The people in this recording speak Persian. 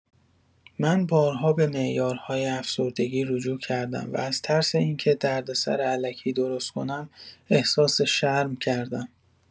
من بارها به معیارهای افسردگی رجوع کردم و از ترس اینکه دردسر الکی درست کنم، احساس شرم کردم.